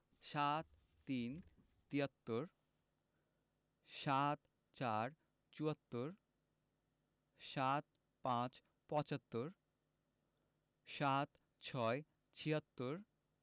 ৭৩ – তিয়াত্তর ৭৪ – চুয়াত্তর ৭৫ – পঁচাত্তর ৭৬ - ছিয়াত্তর